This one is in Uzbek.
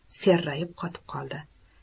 serrayib qotib qoldi